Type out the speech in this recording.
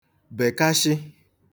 bèkashị